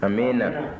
amiina